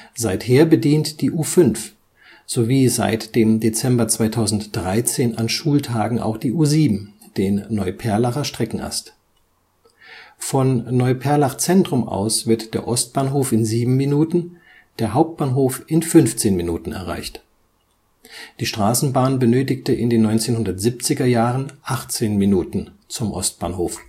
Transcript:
Seither bedient die U5, sowie seit dem Dezember 2013 an Schultagen auch die U7, den Neuperlacher Streckenast. Von Neuperlach Zentrum aus wird der Ostbahnhof in sieben Minuten, der Hauptbahnhof in 15 Minuten erreicht. Die Straßenbahn benötigte in den 1970er-Jahren 18 Minuten zum Ostbahnhof